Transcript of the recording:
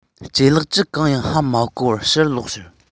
ལྗད ལགས ཀྱིས གང ཡང ཧ མ གོ བར ཕྱིར ལོག ཕྱིན